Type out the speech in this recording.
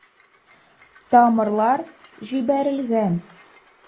Тамырлар җибәрелгән.